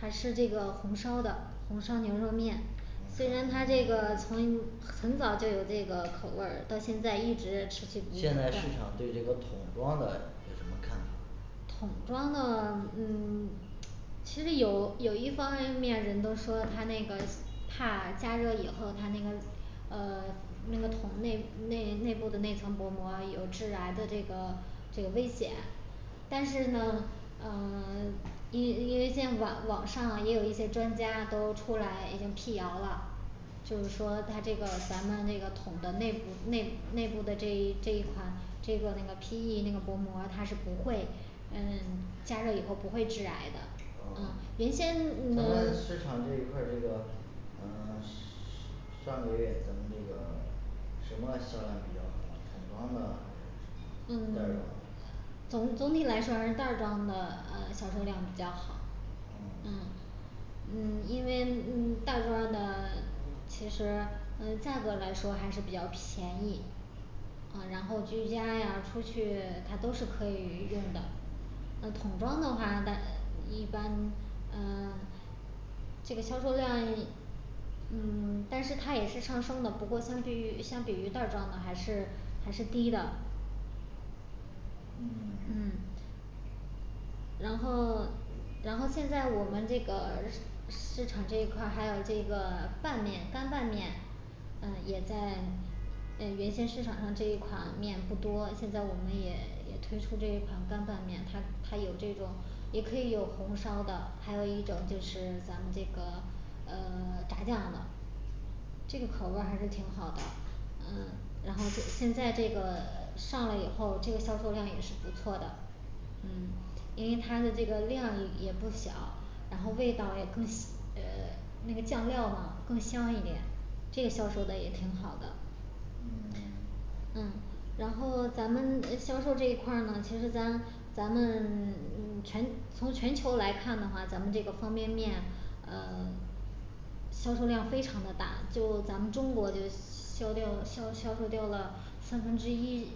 还是这个红烧的红烧牛肉面红虽然烧它这牛个肉从面很早就有这个口味儿，到现在一直持续不不断现在市场对这个桶装的有什么看法儿桶装的嗯 其实有有一方面儿人都说它那个怕加热以后它那个呃那个桶内内内部的那层薄膜儿有致癌的这个这个危险但是呢呃因为因为现在网网上也有一些专家都出来已经辟谣了嗯就是说它这个咱们那个桶的内部内部内部的这一这一款这个那个P E那个薄膜儿它是不会嗯加热以后不会致癌的噢哦原先咱嗯们市场这一块儿这个嗯是上个月咱们这个什么销量比较好呢桶装的还是袋儿装的嗯总总体来说还是袋儿装的呃销售量比较好嗯嗯嗯因为嗯袋儿装的其实嗯价格来说还是比较便宜呃然后居家呀出去它都是可以用的。呃桶装的话它一般呃这个销售量嗯 但是它也是上升的，不过相对于相比于袋装的还是还是低的嗯嗯然后然后现在我们这个市市场这一块儿还有这个拌面干拌面嗯也在呃原先市场上这一款面不多，现在我们也也推出这一款干拌面，它它有这种也可以有红烧的，还有一种就是咱们这个呃 炸酱的这个口味还是挺好的，然后现在这个上来以后这个销售量也是不错的嗯因为它的这个量也不小，然后味道也更鲜 呃 那个酱料吗更香一点，这销售的也挺好的嗯 嗯然后咱们嗯销售这一块儿呢其实咱咱们 嗯全从全球来看的话，咱们这个方便面呃 销售量非常的大，就咱们中国就销掉了销销售掉了三分之嗯目前咱一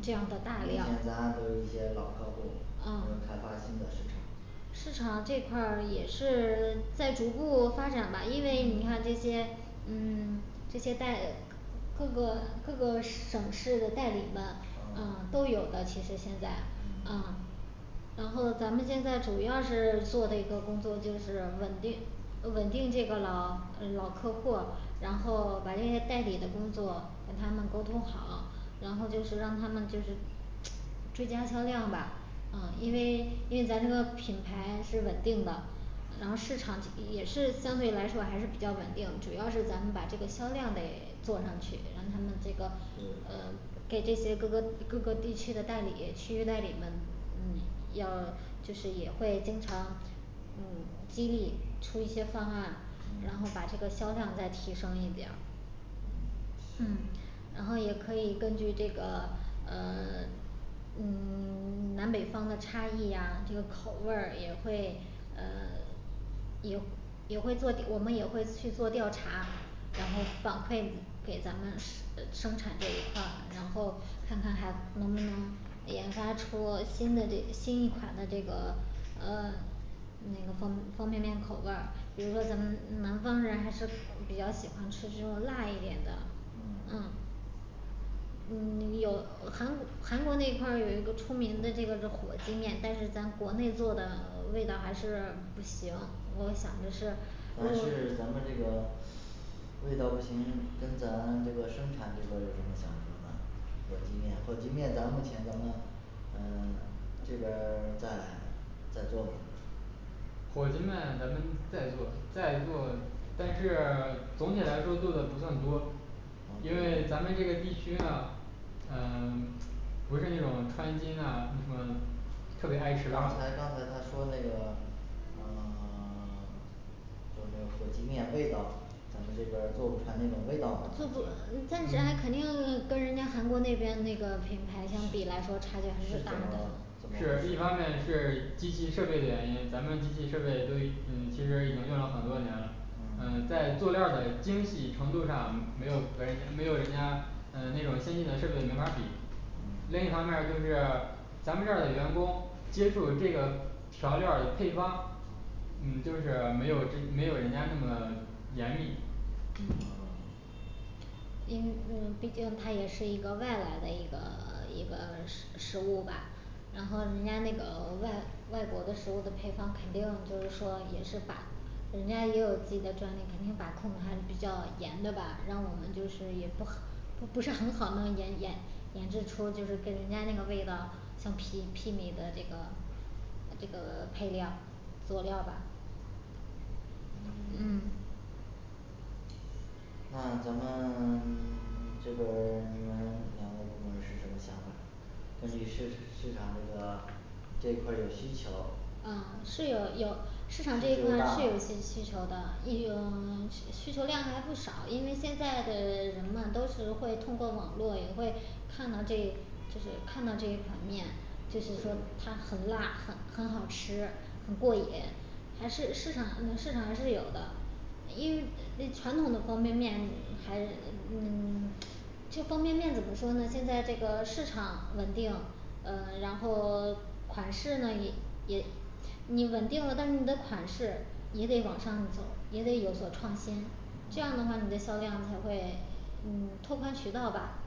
这样的大量都一些老客户有没有嗯开发新的市场市场这块儿也是 在逐步发展吧因为你看这嗯些嗯这些代各个各个省市的代理们啊哦都有的其实现在嗯啊然后咱们现在主要是做的一个工作就是稳定稳定这个老呃老客户，然后把这些代理的工作跟他们沟通好，然后就是让他们就是追加销量吧啊因为因为咱这个品牌是稳定的然后市场也是相对来说还是比较稳定主要是咱们把这个销量得做上去，让他们这个对嗯给这些各个各个地区的代理区域代理们嗯要就是也会经常嗯激励出一些方案，然后嗯把这个销量再提升一点儿嗯嗯行然后也可以根据这个呃 嗯 南北方的差异呀这个口味也会呃也也会做 我们也会去做调查，然后反馈给咱们生产这一块，然后看看还能不能研发出新的这新一款的这个呃那个方方便面口味儿比如说咱们南方人还是比较喜欢吃这种辣一点的嗯嗯嗯有韩国 韩国那块儿有一个出名的这个火鸡面，但是咱国内做的味道还是不行我想就是如还是咱们这果个味道不行，跟咱这个生产这边儿有什么想说的火鸡面火鸡面咱目前咱呃这边儿在在做吗火鸡面咱们在做在做但是总体来说做的不算多哦因为对咱们这个地区呢呃不是那种川津啊那什么特别刚才爱吃辣的刚才她说那个呃 就那个火鸡面味道咱们这边儿做不出来那种味道吗还做是怎不么暂时还嗯肯定跟人家韩国那边那个品牌相比来说差距还是大的是一方面是机器设备的原因，咱们机器设备都嗯其实已经用了很多年了呃嗯在做料儿的精细程度上，没有跟人家没有人家嗯那种先进的设备没法儿比另嗯一方面儿就是咱们这儿的员工接触这个调料儿的配方嗯就是没有真 没有人家那么严密啊嗯 因为呃毕竟它也是一个外来的一个 一个食食物吧然后人家那个外外国的食物的配方肯定就是说也是把人家也有自己的专利肯定把控的还比较严的吧，让我们就是也不和 不不是很好能研研研制出就是跟人家那个味道相媲媲美的这个这个配料儿佐料儿吧嗯嗯那咱们 这个 你们两个部门儿是什么想法儿根据市市场这个这一块儿有需求啊是有有市需求大场这一块儿吗是有需需求的有 需需求量还不少因为现在的人们都是会通过网络也会看到这就是看到这一款面就是说它很辣很很好吃，很过瘾还是市场那市场还是有的因为那传统的方便面还是嗯 这方便面怎么说呢，现在这个市场稳定，呃然后 款式呢也也你稳定了，但是你的款式也得往上走，也得有所创新这样嗯的话你的销量才会嗯拓宽渠道吧，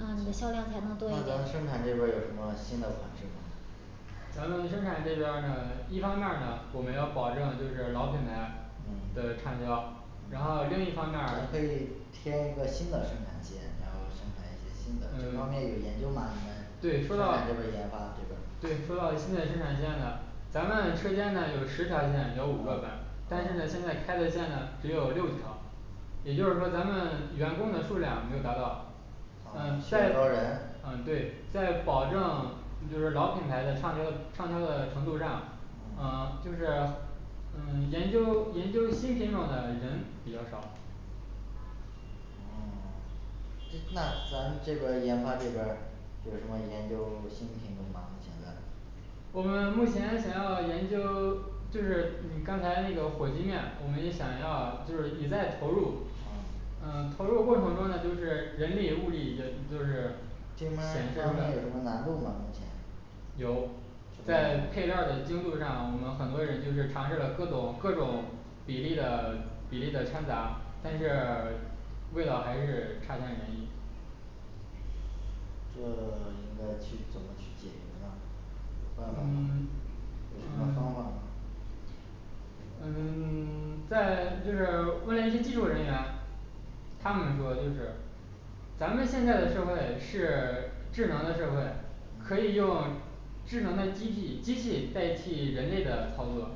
嗯你的销量才能那多一点咱生产这边儿有什么新的款式吗咱们生产这边儿呢一方面儿呢我们要保证就是老品牌嗯的畅销，然后嗯另一方面儿咱可以添一个新的生产线然后生产一嗯些新的这方面有研究吗你对们说生到产这边儿研发这边儿对说到新的生产线呢咱们车间呢有十条嗯线有五个班，但是呢现在嗯开的线呢只有六条也就是说咱们员工的数量没有达到哦嗯需要在招人嗯对在保证就是老品牌的畅销畅销的程度上嗯呃就是嗯研究研究新品种的人比较少嗯 这那咱这边儿研发这边儿有什么研究新品种吗目前咱我们目前想要研究就是你刚才那个火鸡面，我们也想要就是也在投入，嗯嗯投入过程中呢就是人力物力这就是这显示边儿泡面有什么出来难度吗目前有什么难在配料儿的度精度上，我们很多人就是尝试了各种各种比例的比例的掺杂，但是嗯味道还是差强人意这 应该去怎么去解决呢？有办法吗嗯有什么方嗯法吗嗯 在就是问了一些技术人员他们说哦就是咱们现在的社会是智能的社会可以用智能的机器机器代替人类的操作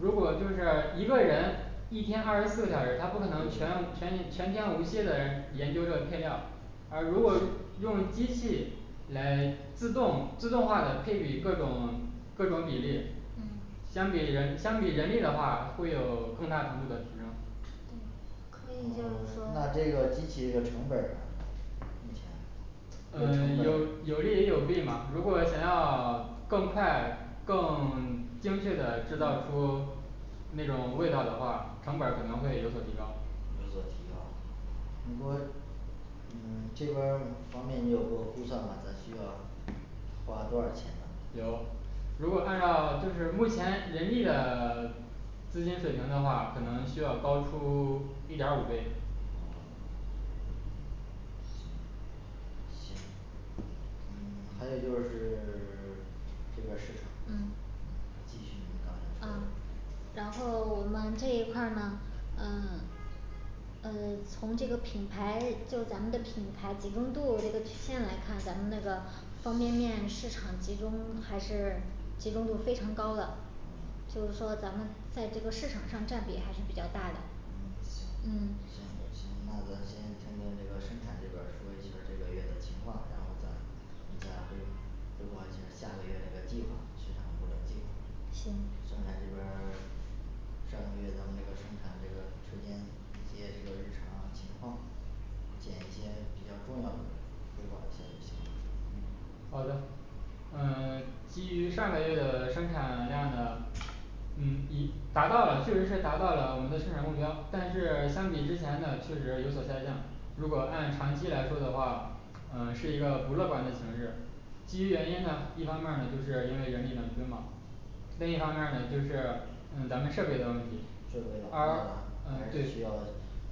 如果就是一个人一天二十四个小时，他不可能全无全天无歇的研究这配料儿而如果用用机器来自动自动化的配比各种各种比例嗯相比人相比人力的话会有更大程度的提升对可嗯以就是那这说个机器这个成本儿呢目前这成嗯 本有有儿利也有弊吧，如果想要更快更精确的制造出那种味道的话，成本儿可能会有所提高有所提高如果嗯这边儿方面你有做估算吗咱需要花多少钱呢有如果按照就是目前人力的 资金水平的话可能需要高出一点儿五倍嗯行行嗯还有就是 这边儿市场嗯继续你刚才说的啊然后我们这一块儿呢嗯呃从这个品牌就是咱们的品牌集中度这个曲线来看咱们那个方便面市场集中还是集中度非常高的就是说咱们在这个市场上占比还是比较大的嗯嗯行行行那咱先听听这个生产这边儿说一下儿这个月的情况然后咱再汇汇报一下儿下个月的这个计划市场部儿的计划生行产这边儿上个月咱们这个生产这个车间一些这个日常情况捡一些比较重要的汇报一下儿就行了嗯好的呃基于上个月的生产量呢嗯以达到了确实是达到了我们的生产目标但是相比之前呢确实有所下降，如果按长期来说的话呃是一个不乐观的形式基于原因呢一方面儿呢就是因为人力短缺嘛另一方面儿呢就是呃咱们设备的问题设备老而化还呃对是需要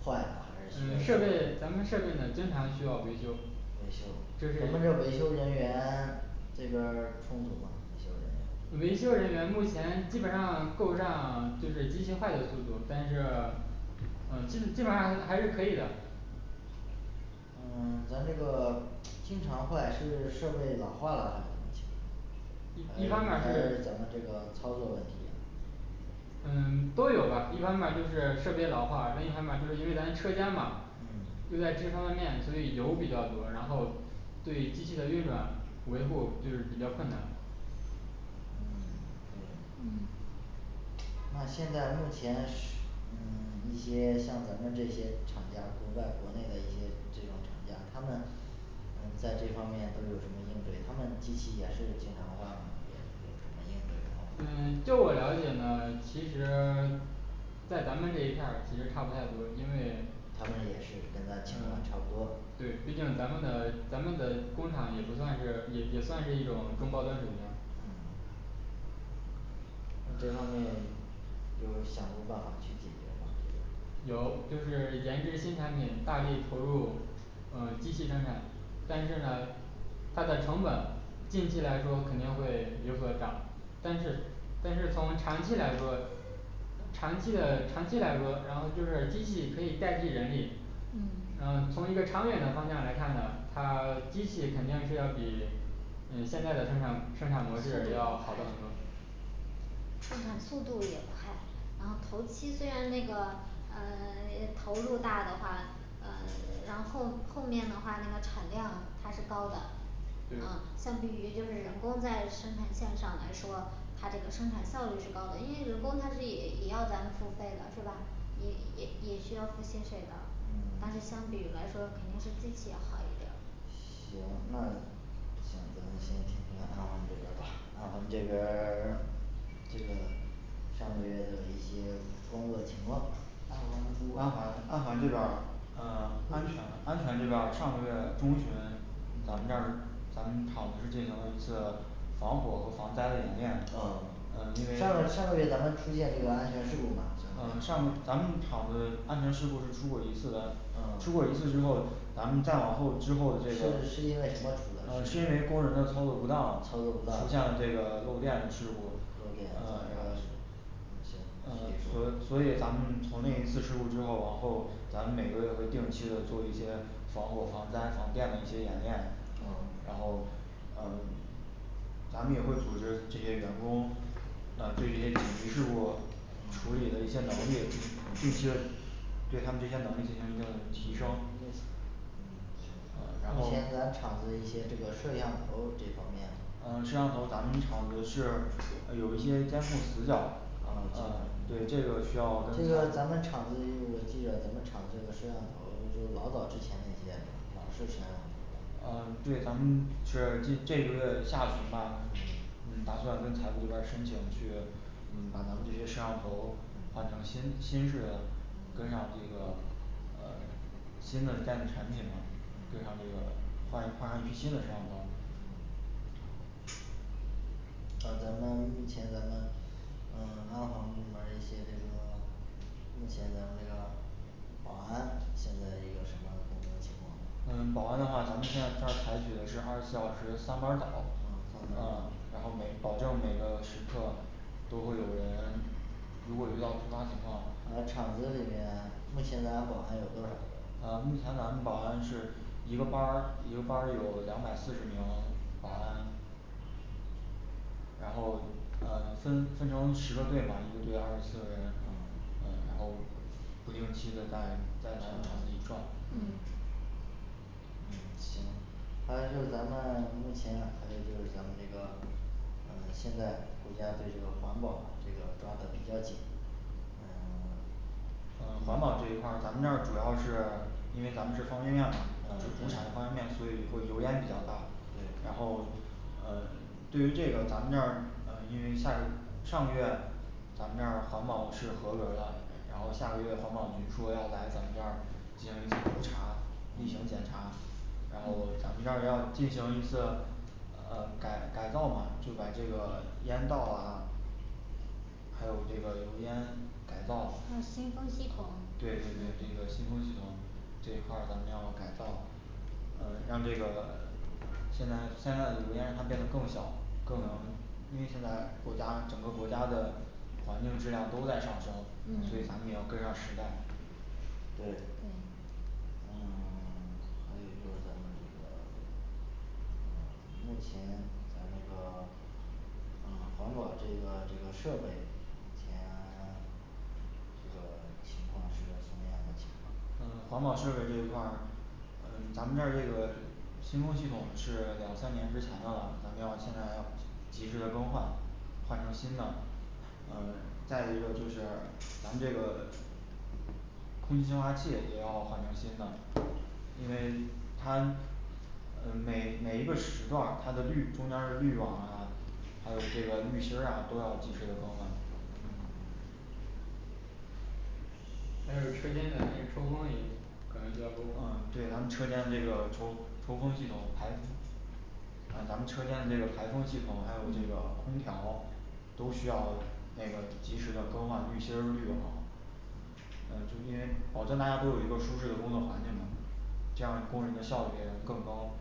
换还嗯是需设要备咱们设备呢经常需要维修维这修是咱们这维修人员这边儿充足吗维修人员维修人员目前基本上够上，就是机器坏的速度，但是呃基基本上还还是可以的呃咱这个经常坏是设备老化了还是什么情况一还一方面儿还是是咱们这个操作问题嗯都有吧一方面儿就是设备老化，另一方面儿就是因为咱车间嘛嗯又在制方面所以油比较多，然后对机器的运转维护就是比较困难嗯对嗯那现在目前是嗯一些像咱们这些厂家国外国内的一些这种厂家，他们嗯在这方面都有什么应对，他们机器也是经常坏吗也有什么应对方嗯法儿就我了解呢其实在咱们这一片儿其实差不太多，因为他们也是跟咱情况差不嗯多，，对，毕竟咱们的咱们的工厂也不算是也也算是一种中高端水平嗯这方面有想过办法去解决吗有就是研制新产品，大力投入呃机器生产但是呢它的成本近期来说肯定会有所涨但是但是从长期来说从长期的长期来说，然后就是机器可以代替人力后嗯从一个长远的方向来看呢，它机器肯定是要比嗯现在的生产生产模式速要好的很度多快生产速度也快然后头期虽然那个呃 投入大的话呃然后后面的话那个产量它是高的呃对相比于就是人工在生产线上来说它这个生产效率是高的，因为人工他自己也要咱们付费的是吧也也也需要付薪水的但嗯是相比来说肯定是机器要好一点儿行那行我们先听听安环这边儿安环这边儿这个上个月的一些工作的情况安环安环这边儿呃安全安全这边儿上个月中旬咱们这儿嗯咱们厂子是进行了一次防火和防灾的演练呃呃因为呃上上上个月咱们出现这个安全事故吗咱们厂的安全事故是出过一次的出过一嗯次之后咱们再往后之是后这个是是因因为为什么出的事工人的操作不当操作出不当现了这个漏电的事漏故电呃嗯行嗯所你所继续说以咱们从那一次事故之后，往后咱们每个月会定期的做一些防火、防灾、防电的一些演练啊然嗯后呃咱们也会组织这些员工呃对这些紧急事故处理嗯的一些能力这些对他们这些能力进行一定的提升嗯然行目前咱后厂子一些这个摄像头儿这方面嗯摄像头咱们厂子是有一些监控死角呃对这个需要跟这个咱们厂子我记得咱们厂子摄像头儿就老早之前那些了老式摄像头儿呃了对咱们是这个月下旬吧打算跟财务这边儿申请去嗯把咱们这些摄像头儿嗯换成新新式的跟上嗯这个呃新的电子产品嘛，跟嗯上这个换换上一批新的摄像头儿嗯啊咱们目前的咱们安防部这边儿的一些目前咱们保安现在一个什么工作情况，嗯保安的话咱们现在这儿采取的是二十四小时三班儿倒三班儿呃倒然后每保证每个时刻都会有人如果遇到突发情况，呃厂子里面目前咱们保安有多少呃个目前咱们保安是一个班儿一个班儿有两百四十名保安然后呃分分成十个队嘛一个队二十四个人嗯呃然后不定期的在在咱厂子里转嗯行还有就是咱们目前还有就是咱们这个呃现在国家对这个环保这个抓的比较紧嗯 呃环保这一块儿咱们这儿主要是因为咱们是方便面嘛主主的嗯产方对便面，所以会油烟比较大，然后呃对于这个咱们这儿呃因为下个月上个月咱们这儿环保是合格儿的，然后下个月环保局说要来咱们这儿进行一次督查，例行检查然后咱们这儿要进行一次呃改改造嘛就把这个烟道啊还有这个油烟改造还有新风系统对对对这个嗯新风系统这一块儿咱们要改道呃让这个现在现在的油烟它变得更小更能因为现在国家整个国家的环境质量都在上升，所以咱们也嗯要跟上时代对嗯嗯 所以就是咱们这个呃目前咱这个呃环保这个这个设备目前 这个情况是个什么样的情况呃环保设备这一块儿呃咱们这儿这个新风系统是两三年之前的啦，咱们要现在要及时的更换换成新的呃再一个就是咱们这个空气净化器也要换成新的因为它呃每每一个时段儿它的滤中间儿滤网啊还有这个滤芯儿啊都要及时的更换还有车间的那个抽风也可能就要更换啊对咱们的车间这个抽抽风系统排风啊咱们车间的这个排风系统还有这个嗯空调都需要那个及时的更换滤芯儿滤网嗯诶保证大家都有一个舒适的工作环境吧这样工人的效率也能更高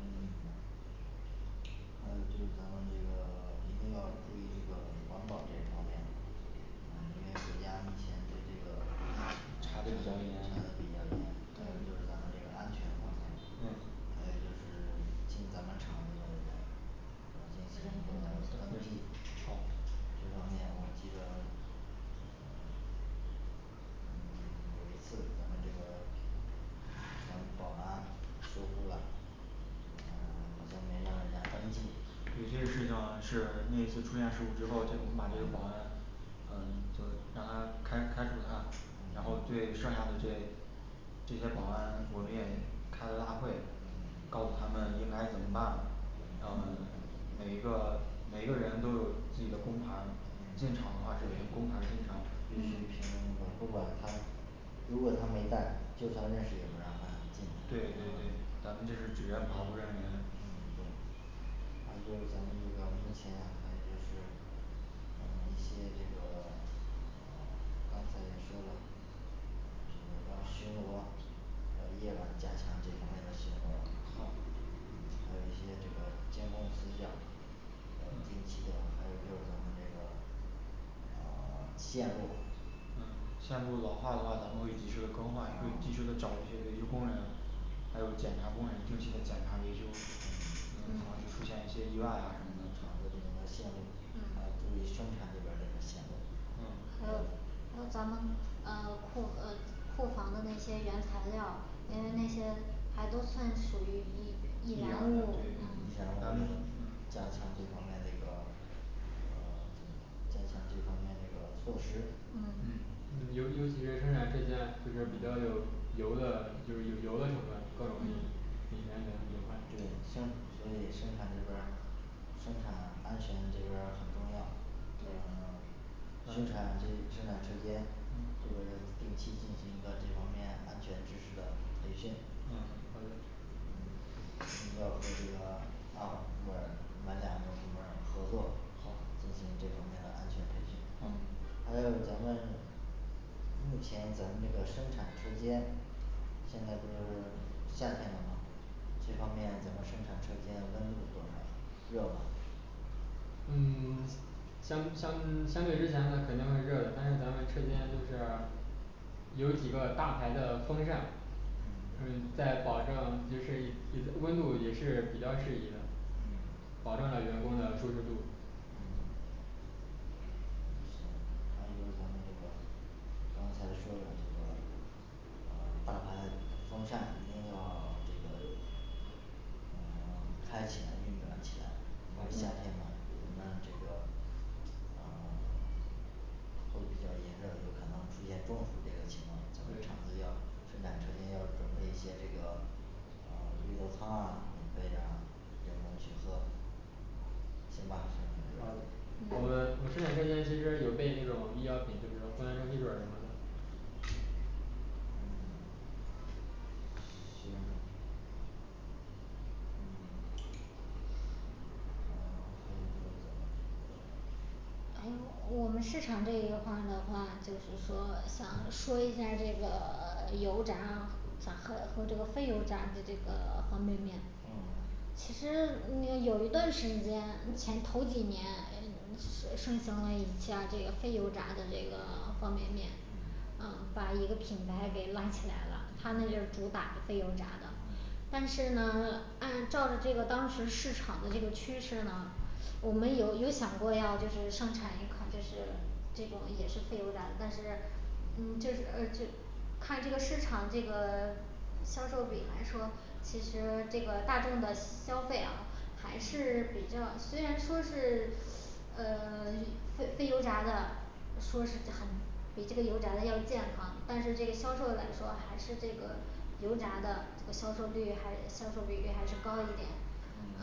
嗯 就是咱们这个一定要注意这个环保这一块儿嗯因为国家目前对这个呃查查的查的的比比较较严严还有就对嗯是咱们这个安全方面还有就是进咱们厂的人呃进行登一个端记部器这方面我们这个嗯有一次咱们这个咱们保安疏忽了呃好像没让人家登记有些事情是那一次出现事故之后，就我们把这个保安呃就让他开开除他然后嗯对剩下的这这些保安我们也开了大会告诉他们应该怎么办嗯告诉他们嗯嗯每一个每个人都有自己的工牌儿进厂的话是凭工牌儿进厂必须凭工嗯牌儿不管他如果他没带就算认识也不让他进来对对对明白咱吗们就是只认牌儿不认人嗯对有就是咱们这个目前还有就是嗯一些这个 刚才也说了这个要巡逻还有夜班加强这方面的巡逻好还有一些这个监控死角儿呃定期的还有就是咱们这个呃 线路嗯线路老化的话咱们会及时的更换会及时的找一些维修工人还有检查工人定期的检查维修以防止出现一些意外啊什么的厂子这个线路还要嗯注意生产这边儿的这个线路嗯还还有有咱们呃库呃库房的那些原材料儿因为那些还都算属于易易易燃燃物物易燃物要对，嗯加强这方面这个加强这方面这个措施嗯嗯尤尤其是生产车间就是比较有油的就是有油的成分更容易嗯引来咱隐患对生所以生产这边儿生产安全这边儿很重要嗯对生产诶生产车间这个要定期进行一个这方面安全知识的培训，嗯好的嗯要和这个安保部门儿你们两个部门儿合作进行这方面的安全培训嗯还有咱们目前咱们这个生产车间现在不是夏天了嘛，这方面咱们生产车间温度多少热吗嗯 相相相对之前呢肯定会热的，但是咱们车间就是有几个大排的风扇嗯嗯在保证就是以温度也是比较适宜的保嗯证了员工的舒适度嗯行还有就是咱们这个刚才说的这个呃大排风扇一定要这个嗯开起来运转起来因为夏天嗯嘛人们这个呃 会比较炎热有可能出现中暑这个情况咱们厂对子要生产车间要准备一些这个呃绿豆汤啊免费的员工去喝行吧生产好这儿的我们嗯我们生产车间其实有备那种医药品就是藿香正气水儿什么的嗯行嗯嗯还有就是咱们这边儿诶呦我们市场这一块儿的话就是说想说一下儿这个 呃油炸想和和这个非油炸的这个方便面，哦其实嗯有一段时间，前头几年哎盛盛行了一家儿这个非油炸的这个方便面，嗯啊把一个品牌给拉起来了，他那就是嗯主打的非油炸的嗯但是呢按照着这个当时市场的这个趋势呢我们有有想过要就是生产一款就是这种也是非油炸的但是嗯就是呃就看这个市场这个销售比来说其实这个大众的消费啊还是比较虽然说是呃 非非油炸的说是很比这个油炸的要健康，但是这个销售来说还是这个油炸的这个销售率还销售比率还是高一点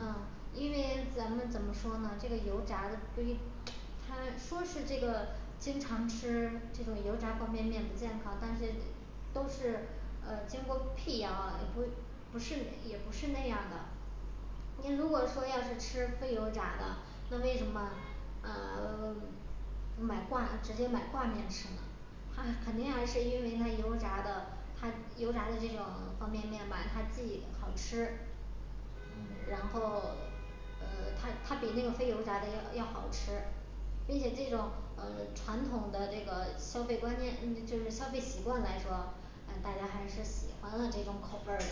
嗯因为咱们怎么说呢这个油炸的对于他说是这个经常吃这种油炸方便面不健康但是都是呃经过辟谣啊不不是也不是那样的您如果说要是吃非油炸的那为什么呃 买挂直接买挂面吃呢它肯定还是因为它油炸的它油炸的这种方便面吧它既好吃然嗯后呃它它比那个非油炸的要要好吃并且这种呃传统的这个消费观念就是消费习惯来说大家还是喜欢了这种口味儿的